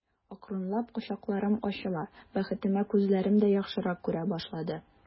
Акрынлап колакларым ачыла, бәхетемә, күзләрем дә яхшырак күрә башлады.